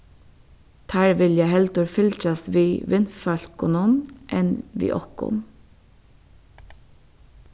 teir vilja heldur fylgjast við vinfólkunum enn við okkum